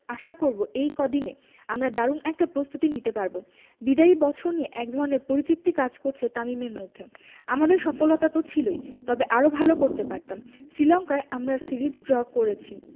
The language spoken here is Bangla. আশা করব এই কদিনে আমরা দারুণ একটা প্রস্তুতি নিতে পারব বিদায়ী বছর নিয়ে একধরনের পরিতৃপ্তি কাজ করছে তামিমের মধ্যে আমাদের সফলতা তো ছিলই তবে আরও ভালো করতে পারতাম শ্রীলঙ্কায় আমরা সিরিজ ড্র করেছি